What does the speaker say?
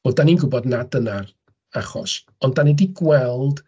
Wel, dan ni'n gwybod nad dyna'r achos. Ond dan ni 'di gweld...